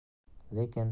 lekin jamilaning doniyordan